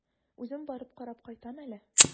Үзем барып карап кайтам әле.